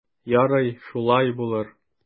Ярый, шулай булыр.